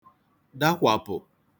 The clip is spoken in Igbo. dakwàpụ̀